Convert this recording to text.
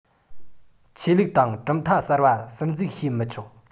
ཆོས ལུགས དང གྲུབ མཐའ གསར བ ཟུར འཛུགས བྱེད མི ཆོག